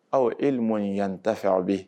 Aw e m in yannita fɛ o bɛ